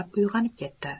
uyg'onib ketdi